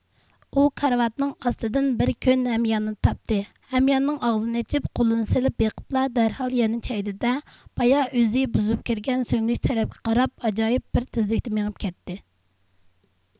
ئۇ كارىۋاتنىڭ ئاستىدىن بىر كۆن ھەمياننى تاپتى ھەمياننىڭ ئاغزىنى ئېچىپ قولىنى سېلىپ بېقىپلا دەرھال يەنە چەگدى دە بايا ئۆزى بۇزۇپ كىرگەن سۈڭگۈچ تەرەپكە قاراپ ئاجايىپ بىر تېزلىكتە مېڭىپ كەتتى